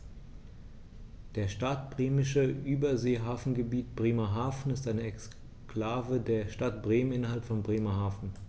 Das Stadtbremische Überseehafengebiet Bremerhaven ist eine Exklave der Stadt Bremen innerhalb von Bremerhaven.